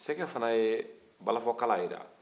sɛgɛ fɛnɛ ye balafɔkala jira